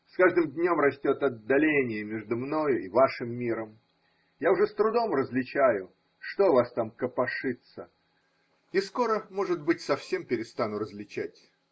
С каждым днем растет отдаление между мною и вашим миром: я уже с трудом различаю, что у вас там копошится, и скоро, может быть. совсем перестану различать.